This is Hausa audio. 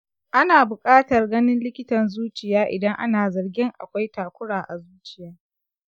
ana buƙatar ganin likitan zuciya idan ana zargin akwai takura a zuciya.